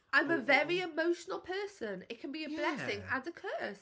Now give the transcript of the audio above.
I'm a very emotional person. It can be a blessing and a curse.